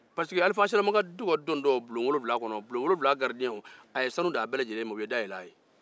alifa silamakan dontɔ bulon wolonwula kɔnɔ bulonwula garidiɲɛw a ye sanu d'a bɛɛ lajɛlen ma u ye da yɛlɛ a ye